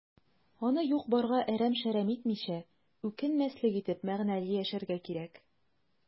Аны юк-барга әрәм-шәрәм итмичә, үкенмәслек итеп, мәгънәле яшәргә кирәк.